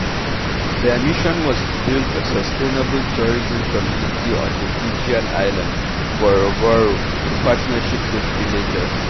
Their mission was to build a sustainable tourism community on the Fijian island, Vorovoro, in partnership with villagers.